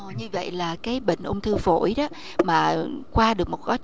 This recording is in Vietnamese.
như vậy là cái bệnh ung thư phổi đó mà qua được một quá